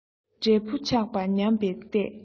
འབྲས བུ ཆགས པ ཉམས པའི ལྟས